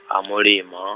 ha Mulima.